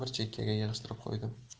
bir chekkaga yig'ishtirib qo'ydim